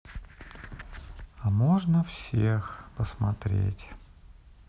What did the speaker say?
а можно всех посмотреть